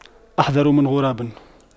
أحذر من غراب